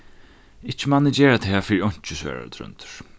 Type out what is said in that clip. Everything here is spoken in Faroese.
ikki man eg gera tað fyri einki svarar tróndur